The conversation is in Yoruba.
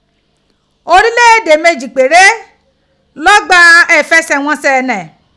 Orílẹ̀ èdè méjì péré ló gbá ìfẹsẹ̀ghọnsẹ̀ ni.